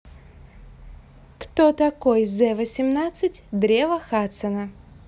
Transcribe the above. кто такой the восемнадцать древо хадсона